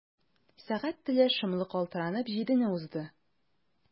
Сәгать теле шомлы калтыранып җидене узды.